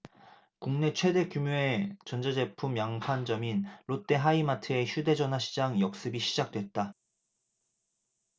국내 최대 규모의 전자제품 양판점인 롯데하이마트의 휴대전화 시장 역습이 시작됐다